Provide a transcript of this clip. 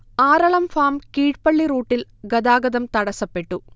Aralam farm Keezhpally റൂട്ടിൽ ഗതാഗതം തടസ്സപ്പെട്ടു